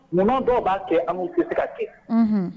Nɔn dɔw b'a kɛ an' kɛ tɛgɛ kɛ